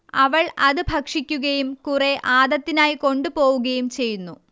അവൾ അതു ഭക്ഷിക്കുകയും കുറേ ആദത്തിനായ് കൊണ്ടുപോവുകയും ചെയ്യുന്നു